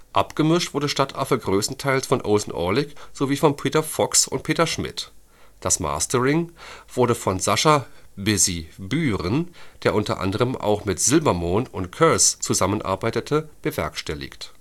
Abgemischt wurde Stadtaffe größtenteils von Olsen Olic sowie von Peter Fox und Peter Schmidt; das Mastering wurde von Sascha „ Busy “Bühren, der unter anderem auch mit Silbermond und Curse zusammenarbeitete, bewerkstelligt